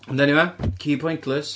Ond eniwe, ci Pointless.